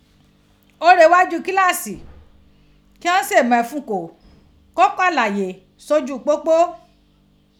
O re ighaju kilasi ki ghan se mu ẹfun ko o, ko kọ alaye soju patako.